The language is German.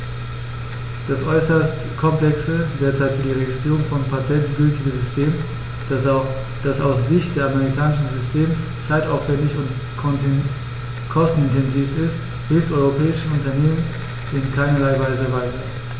Das äußerst komplexe, derzeit für die Registrierung von Patenten gültige System, das aus Sicht des amerikanischen Systems zeitaufwändig und kostenintensiv ist, hilft europäischen Unternehmern in keinerlei Weise weiter.